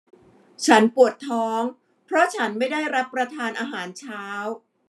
ฉันปวดท้องเพราะฉันไม่ได้รับประทานอาหารเช้า